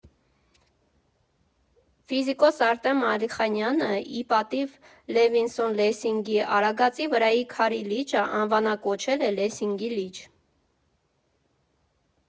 Ֆիզիկոս Արտեմ Ալիխանյանը ի պատիվ Լևինսոն֊Լեսինգի Արագածի վրայի Քարի լիճը անվանակոչել է Լեսինգի լիճ։